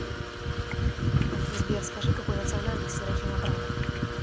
сбер скажи какой национальности рахим абрамов